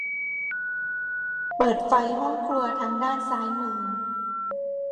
เปิดไฟห้องครัวทางด้านซ้ายมือ